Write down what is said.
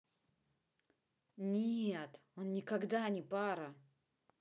нет он никогда не пара